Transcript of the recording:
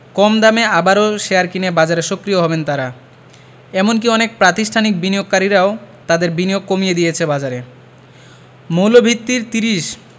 কম দামে আবারও শেয়ার কিনে বাজারে সক্রিয় হবেন তাঁরা এমনকি অনেক প্রাতিষ্ঠানিক বিনিয়োগকারীরাও তাদের বিনিয়োগ কমিয়ে দিয়েছে বাজারে মৌলভিত্তির ৩০